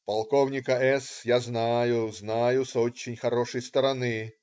"Полковника С. я знаю, знаю с очень хорошей стороны.